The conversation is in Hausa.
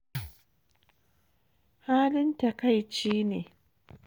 halin takaici ne.”